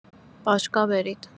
باشگا برید